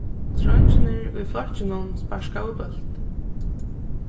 dreingirnir í flokkinum sparkaðu bólt